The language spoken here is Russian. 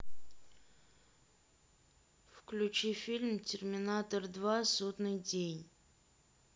включи фильм терминатор два судный день